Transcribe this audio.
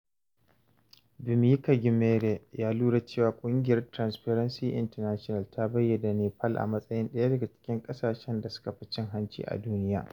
Bhumika Ghimire ya lura cewa, Ƙungiyar 'Transparency International' ta bayyana Napel a matsayin ɗaya daga cikin ƙasashen da suka fi cin-hanci a duniya.